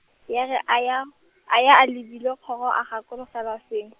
ya re a ya, a ya a lebile kgoro a gakologelwa seng.